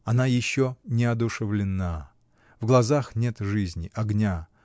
Она еще неодушевлена, в глазах нет жизни, огня.